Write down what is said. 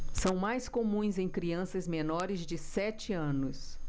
são mais comuns em crianças menores de sete anos